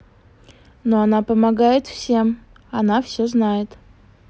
ну она помогает всем она все знает